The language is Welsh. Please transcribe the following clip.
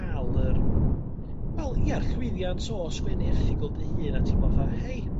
ca'l yr wel ia llwyddiant o sgwennu erthygl dy hun a teimlo atha hei